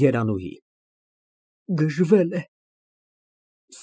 ԵՐԱՆՈՒՀԻ ֊ Գժվել է։